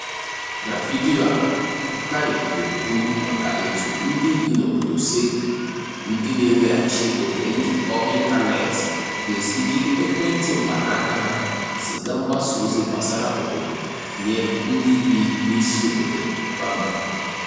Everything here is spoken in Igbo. Na vidiyo a, Boukary na-ekwu maka etú ndị bi n'obodo Ségou, ndị na-enwechaghị ohere njịkọ ịntaneetị ga-esi jiri ekwentị mkpanaaka ha ziga mgbasaozi gbasara obodo nye ndị bi n'isiobodo Bamako.